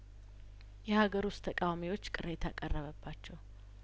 የሀገር ውስጥ ተቃዋሚዎች ቅሬታ ቀረበባቸው